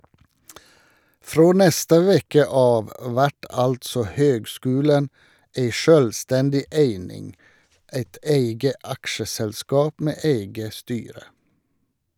Frå neste veke av vert altså høgskulen ei sjølvstendig eining, eit eige aksjeselskap med eige styre.